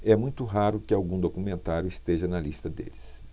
é muito raro que algum documentário esteja na lista deles